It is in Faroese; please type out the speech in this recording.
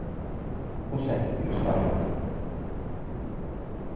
hon setti meg í starv